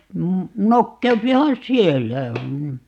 nokeutuuhan siellä mm